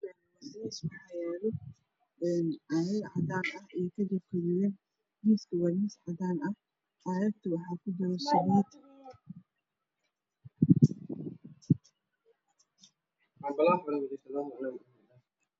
Kani waa miis waxaa saaran caagag cadaan ah iyo kajab gaduudan. Miisku waa cadaan, caagta waxaa kujirto saliid.